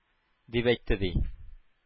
— дип әйтте, ди.